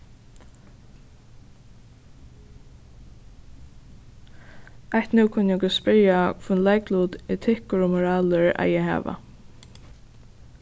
eitt nú kunnu okur spyrja hvønn leiklut etikkur og moralur eiga at hava